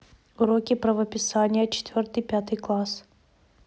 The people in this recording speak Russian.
уроки правописания четвертый пятый класс